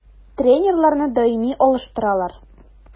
Тренерларны даими алыштыралар.